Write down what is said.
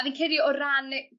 A fi'n credu o ran